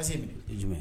Passer minɛ